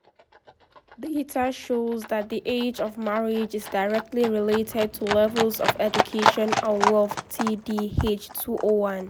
Data shows that the age of marriage is directly related to levels of education and wealth (TDHS 201).